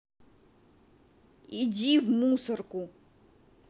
иди в мусорку